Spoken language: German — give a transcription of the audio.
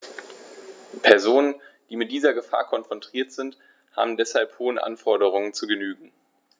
Personen, die mit dieser Gefahr konfrontiert sind, haben deshalb hohen Anforderungen zu genügen.